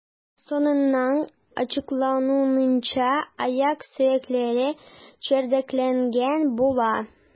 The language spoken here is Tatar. Соңыннан ачыклануынча, аяк сөякләре чәрдәкләнгән була.